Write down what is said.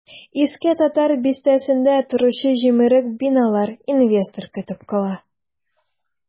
Иске татар бистәсендә торучы җимерек биналар инвестор көтеп кала.